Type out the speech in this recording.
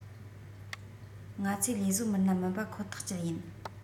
ང ཚོའི ལས བཟོ མི སྣ མིན པ ཁོ ཐག བཅད ཡིན